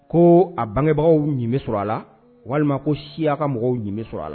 Ko a bangebagaw ɲi bɛ sɔrɔ a la walima ko siya ka mɔgɔw ɲi bɛ sɔrɔ a la